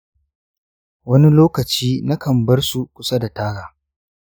wani lokaci nakan barsu kusa da taga.